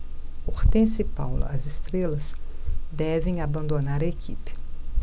hortência e paula as estrelas devem abandonar a equipe